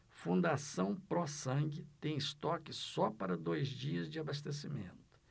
fundação pró sangue tem estoque só para dois dias de abastecimento